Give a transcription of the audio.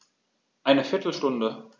Eine viertel Stunde